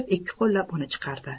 ikki qo'llab uni chiqardi